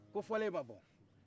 ko fɔlen ma bɔ